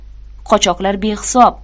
qochoqlar behisob